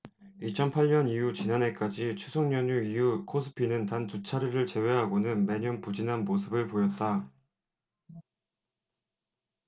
이천 팔 년 이후 지난해까지 추석 연휴 이후 코스피는 단 두 차례를 제외하고는 매년 부진한 모습을 보였다